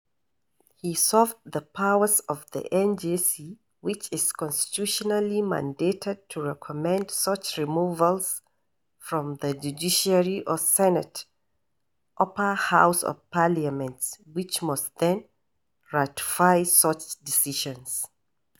He usurped the powers of the NJC which is constitutionally mandated to recommend such removals from the judiciary or Senate (upper house of parliament) which must then ratify such decisions.